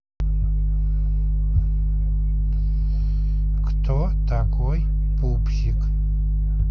кто такой пупсик